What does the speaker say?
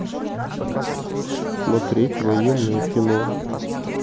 смотреть военное кино